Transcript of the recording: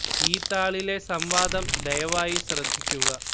ഈ താളിലെ സംവാദം ദയവായി ശ്രദ്ധിക്കുക